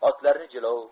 otlarni jilov